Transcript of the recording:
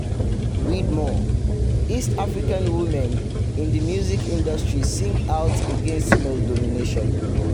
Read more: East African women in the music industry sing out against male domination